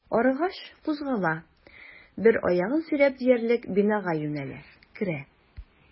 Арыгач, кузгала, бер аягын сөйрәп диярлек бинага юнәлә, керә.